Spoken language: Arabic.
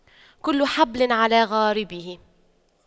كل حبل على غاربه